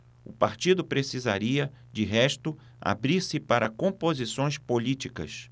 o partido precisaria de resto abrir-se para composições políticas